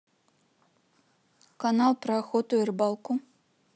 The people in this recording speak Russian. канал про охоту и рыбалку